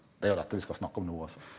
det er jo dette vi skal snakke om nå også.